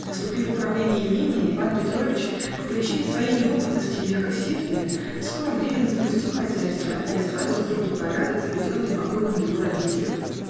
Вступив в управление имения, Иван Петрович, по причине своей неопытности и мягкосердия, в скором времени запустил хозяйство и ослабил строгой порядок, заведенный покойным его родителем.